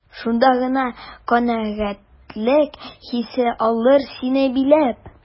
Шунда гына канәгатьлек хисе алыр сине биләп.